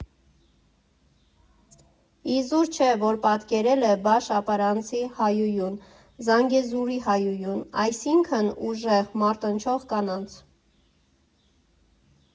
Իզուր չէ, որ պատկերել է բաշ֊ապարանցի հայուհուն, զանգեզուրի հայուհուն՝ այսինքն ուժեղ, մարտնչող կանանաց։